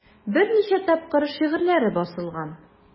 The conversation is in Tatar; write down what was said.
Берничә тапкыр шигырьләре басылган.